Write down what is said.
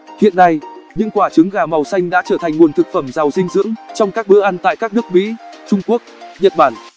hiện nay những quả trứng gà màu xanh đã trở thành nguồn thực phẩm giàu dinh dưỡng trong các bữa ăn tại các nước mỹ trung quốc nhật bản